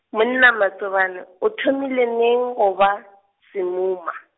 monna Matsobane, o thomile neng go ba, semuma?